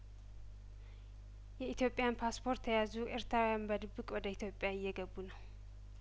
የኢትዮጵያን ፓስፖርት የያዙ ኤርትራውያን በድብቅ ወደ ኢትዮጵያእየገቡ ነው